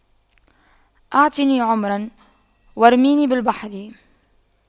اعطني عمرا وارميني بالبحر